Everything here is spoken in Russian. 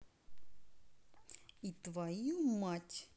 и твою мать